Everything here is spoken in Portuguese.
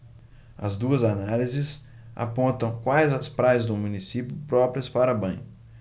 as duas análises apontam quais as praias do município próprias para banho